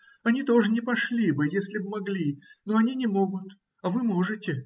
Они тоже не пошли бы, если бы могли, но они не могут, а вы можете.